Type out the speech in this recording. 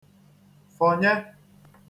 fọ̀nye